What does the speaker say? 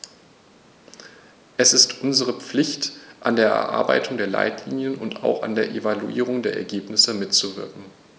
Es ist unsere Pflicht, an der Erarbeitung der Leitlinien und auch an der Evaluierung der Ergebnisse mitzuwirken.